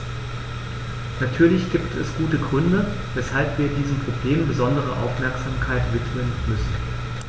Natürlich gibt es gute Gründe, weshalb wir diesem Problem besondere Aufmerksamkeit widmen müssen.